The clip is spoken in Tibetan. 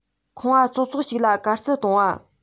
ཁང པ ཙོག ཙོག ཅིག ལ དཀར རྩི བཏང བ